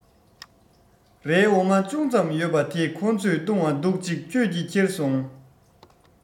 རའི འོ མ ཅུང ཙམ ཡོད པ དེ ཁོ ཚོས བཏུང བ འདུག གཅིག ཁྱོད ཀྱིས ཁྱེར སོང